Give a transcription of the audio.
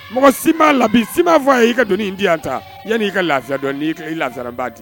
Mɔgɔ si m'a labi, si m'a fɔ a ye i ka donni di yan ta yanni nɔ i ka lafiya dɔnni, n'i lafiala n b'aa di i ma.